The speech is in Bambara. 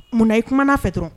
Munna i kuma na a fɛ dɔrɔnw?